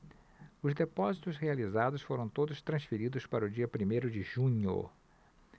os depósitos realizados foram todos transferidos para o dia primeiro de junho